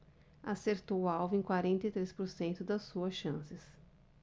acertou o alvo em quarenta e três por cento das suas chances